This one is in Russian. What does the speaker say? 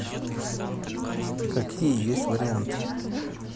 какие есть варианты